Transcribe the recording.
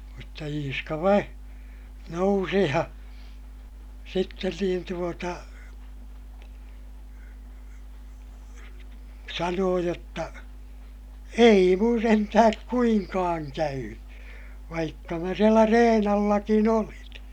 mutta Iiska vain nousi ja sitten niin tuota sanoi jotta ei minun sentään kuinkaan käynyt vaikka minä siellä reen allakin olin